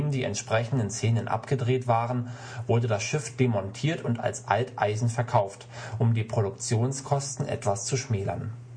die entsprechenden Szenen abgedreht waren, wurde das Schiff demontiert und als Alteisen verkauft, um die Produktionskosten etwas zu schmälern